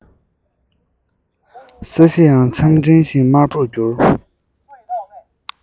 ས གཞི ཡང མཚམས སྤྲིན བཞིན དམར པོ གྱུར འདུག